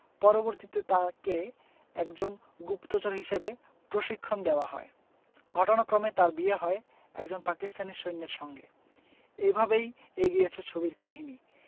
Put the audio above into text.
পরবর্তীতে তাকে একজন গুপ্তচর হিসেবে প্রশিক্ষণ দেওয়া হয় ঘটনাক্রমে তার বিয়ে হয় একজন পাকিস্তানী সৈন্যের সঙ্গে এভাবেই এগিয়েছে ছবির কাহিনী